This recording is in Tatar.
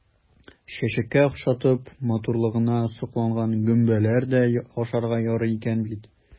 Чәчәккә охшатып, матурлыгына сокланган гөмбәләр дә ашарга ярый икән бит!